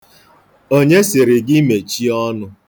Onye sịrị gị mechie ọnụ